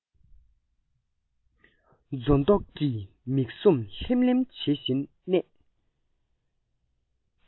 མཛོ འདོགས ཀྱིས མིག ཟུང ལྷེམ ལྷེམ བྱེད བཞིན གནས